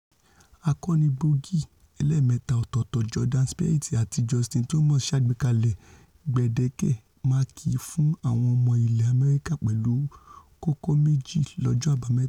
Akọni gbòógì ẹlẹ́ẹ̀mẹ́ta ọ̀tọ̀tọ̀ Jordan Spieth àti JustinnThomas ṣàgbékalẹ̀ gbèdéke máàki fún àwọn ọmọ ilẹ̀ Amẹ́ríkà pẹ̀lú kókó méjì lọ́jọ́ Àbámẹ́ta.